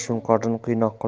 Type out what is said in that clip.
shunqordan qiyoq qolar